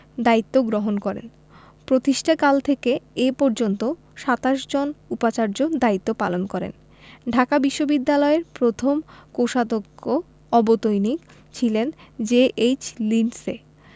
দায়িত্ব গ্রহণ করেন প্রতিষ্ঠাকাল থেকে এ পর্যন্ত ২৭ জন উপাচার্য দায়িত্ব পালন করেন ঢাকা বিশ্ববিদ্যালয়ের প্রথম কোষাধ্যক্ষ অবৈতনিক ছিলেন জে.এইচ লিন্ডসে